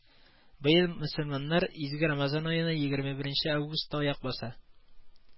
Быел мөселманнар Изге Рамазан аена егерме беренче августта аяк баса